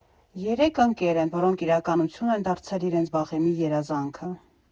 Երեք ընկեր են, որոնք իրականություն են դարձրել իրենց վաղեմի երազանքը։